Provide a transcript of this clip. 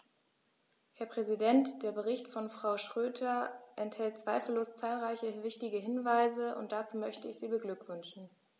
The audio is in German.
Herr Präsident, der Bericht von Frau Schroedter enthält zweifellos zahlreiche wichtige Hinweise, und dazu möchte ich sie beglückwünschen.